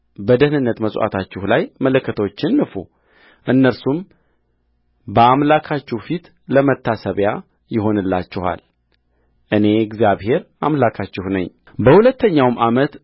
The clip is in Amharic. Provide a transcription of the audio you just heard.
በደኅንነት መሥዋዕታችሁ ላይ መለከቶቹን ንፉ እነርሱም በአምላካችሁ ፊት ለመታሰቢያ ይሆኑላችኋል እኔ እግዚአብሔር አምላካችሁ ነኝበሁለተኛውም ዓመት